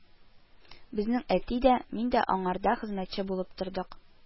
Безнең әти дә, мин дә аңарда хезмәтче булып тордык